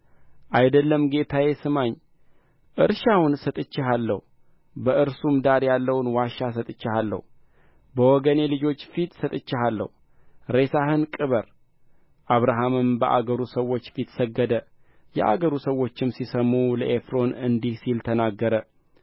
አይደለም ጌታዬ ስማኝ እርሻውን ሰጥቼሃለሁ በእርሱም ዳር ያለውን ዋሻ ሰጥቼሃለሁ በወገኔ ልጆች ፊት ሰጥቼሃለሁ ሬሳህን ቅበር አብርሃምም በአገሩ ሰዎች ፊት ሰገደ የአገሩ ሰዎችም ሲሰሙ ለኤፍሮን እንዲህ ሲል ተናገረ